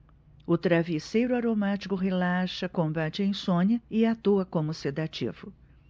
o travesseiro aromático relaxa combate a insônia e atua como sedativo